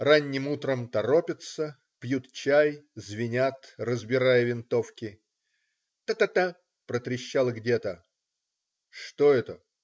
Ранним утром торопятся, пьют чай, звенят, разбирая винтовки. Та-та-та - протрещало где-то. "Что это?